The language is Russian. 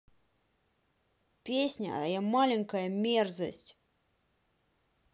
песня а я маленькая мерзость